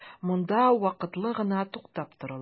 Монда вакытлы гына туктап торыла.